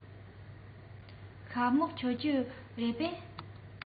ཤ མོག མཆོད ཀྱི རེད པས